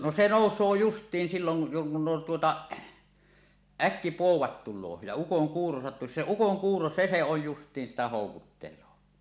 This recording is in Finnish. no se nousee justiin silloin kun tuota äkkipoudat tulee ja ukonkuuro sattuisi se ukonkuuro se se on justiin sitä houkuttelee